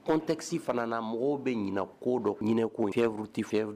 Kɔntesi fana na mɔgɔw bɛ ɲinin ko dɔ ɲinin ko in fɛnuru tɛ fɛ